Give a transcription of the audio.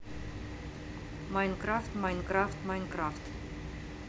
майнкрафт майнкрафт майнкрафт